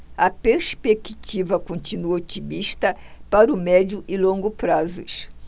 a perspectiva continua otimista para o médio e longo prazos